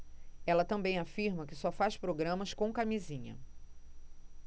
ela também afirma que só faz programas com camisinha